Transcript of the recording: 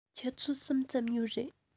ཆུ ཚོད གསུམ ཙམ ཡོད རེད